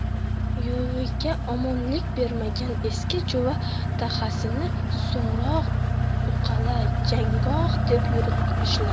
yog'iyga omonlik bermagan eski jo'va dahasini so'ngroq uqalo janggoh deb yuritmishlar